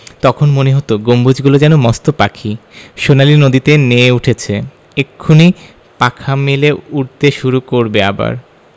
তখন মনে হতো গম্বুজগুলো যেন মস্ত পাখি সোনালি নদীতে নেয়ে উঠেছে এক্ষুনি পাখা মেলে উড়তে শুরু করবে আবার